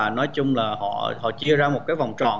và nói chung là họ họ chia ra một cái vòng tròn